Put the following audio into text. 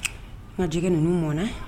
N ka jɛgɛ ninnu mɔn na